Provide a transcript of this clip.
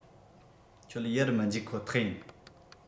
ཁྱོད ཡར མི འཇུག ཁོ ཐག ཡིན